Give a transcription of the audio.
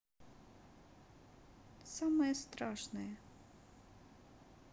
самое страшное